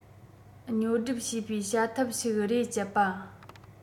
ཉོ སྒྲུབ བྱེད པའི བྱ ཐབས ཤིག རེད སྤྱད པ